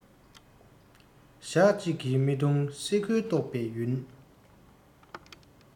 ཞག གཅིག གི རྨི ཐུང སེ གོལ གཏོག པའི ཡུན